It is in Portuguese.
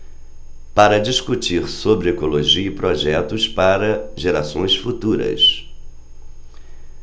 para discutir sobre ecologia e projetos para gerações futuras